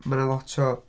Mae 'na lot o...